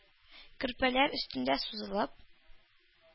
Көрпәләр өстендә сузылып,